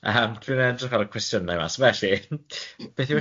Yym dwi'n edrych ar y cwestiyne yma so felly beth yw